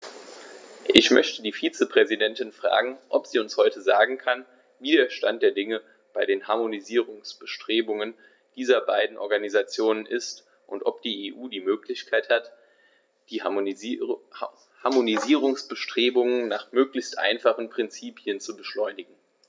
Ich möchte die Vizepräsidentin fragen, ob sie uns heute sagen kann, wie der Stand der Dinge bei den Harmonisierungsbestrebungen dieser beiden Organisationen ist, und ob die EU die Möglichkeit hat, die Harmonisierungsbestrebungen nach möglichst einfachen Prinzipien zu beschleunigen.